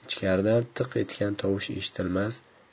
ichkaridan tiq etgan tovush eshitilmas